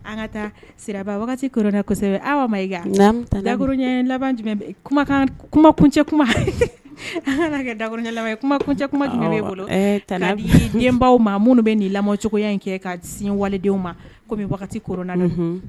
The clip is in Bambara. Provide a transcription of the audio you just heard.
An ka taa siraba koɛsɛbɛ dak kumakan kumakuncɛ kuma an dak kumacɛkuma bolobaw ma minnu bɛ nin lamɔ cogoyaya in kɛ ka sinwaledenw ma kɔmi ko